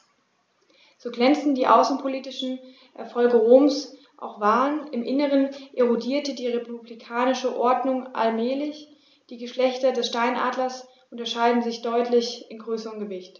So glänzend die außenpolitischen Erfolge Roms auch waren: Im Inneren erodierte die republikanische Ordnung allmählich. Die Geschlechter des Steinadlers unterscheiden sich deutlich in Größe und Gewicht.